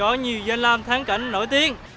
có nhiều danh lam thắng cảnh nổi tiếng